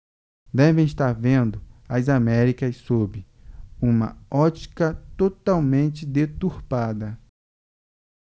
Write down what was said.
devem estar vendo as américas sob uma ótica totalmente deturpada